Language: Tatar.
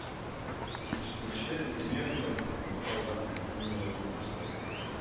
Җитештерүче дөньякүләм танылу алган компанияләрнең берсе